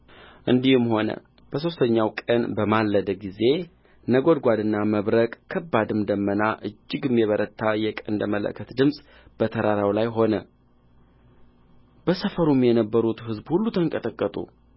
እንዲህም ሆነ በሦስተኛው ቀን በማለዳ ጊዜ ነጐድጓድና መብረቅ ከባድም ደመና እጅግም የበረታ የቀንደ መለከት ድምጽ በተራራው ላይ ሆነ በሰፈሩም የነበሩት ሕዝብ ሁሉ ተንቀጠቀጡ